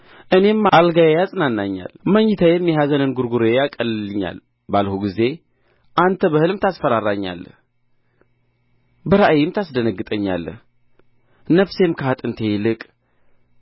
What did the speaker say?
እኔም አልጋዬ ያጽናናኛል መኝታዬም የኀዘን እንጕርጕሮዬን ያቀልልኛል ባልሁ ጊዜ አንተ በሕልም ታስፈራራኛለህ በራእይም ታስደነግጠኛለህ ነፍሴም ከአጥንቴ ይልቅ